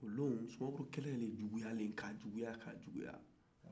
o don sumaworo kɛlɛ de juguyara k'a juguya ka juguya